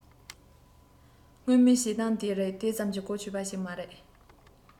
སྔོན མའི བྱེད སྟངས དེ རིགས དེ ཙམ གྱིས གོ ཆོད པ ཞིག མ རེད